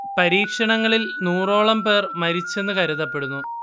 പരീക്ഷണങ്ങളിൽ നൂറോളം പേർ മരിച്ചെന്ന് കരുതപ്പെടുന്നു